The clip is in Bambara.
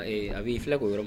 Ɛɛ, Abi, i filɛ k'o yɔrɔ min